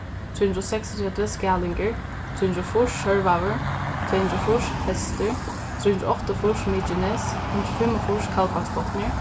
trý hundrað og seksogtretivu skælingur trý hundrað og fýrs sørvágur tvey hundrað og fýrs hestur trý hundrað og áttaogfýrs mykines hundrað og fimmogfýrs kaldbaksbotnur